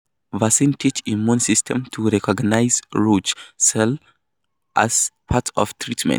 Vaccine teaches immune system to recognize rogue cells as part of treatment